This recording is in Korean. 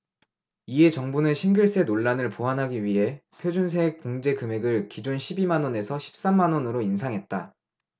이에 정부는 싱글세 논란을 보완하기 위해 표준세액 공제금액을 기존 십 이 만원에서 십 삼 만원으로 인상했다